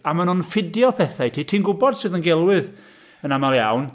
A maen nhw'n ffidio pethau i ti, ti'n gwybod sydd yn gelwydd yn aml iawn.